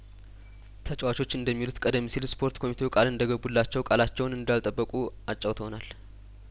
ተጫዋቾች እንደሚሉት ቀደም ሲል ስፖርት ኮሚቴው ቃል እንደገቡላቸው ቃላቸውን እንዳልጠበቁ አጫውተውናል